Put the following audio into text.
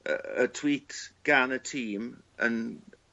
yy y Tweets gan y tîm yn